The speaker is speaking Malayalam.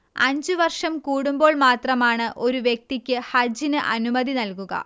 അഞ്ചു വർഷം കൂടുമ്പോൾ മാത്രമാണ് ഒരു വ്യക്തിക്ക് ഹജ്ജിന് അനുമതി നൽകുക